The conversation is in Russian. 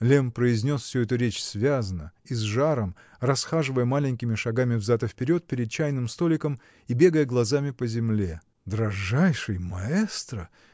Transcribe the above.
Лемм произнес всю эту речь связно и с жаром, расхаживая маленькими шагами взад и вперед перед чайным столиком и бегая глазами по земле. -- Дражайший маэстро!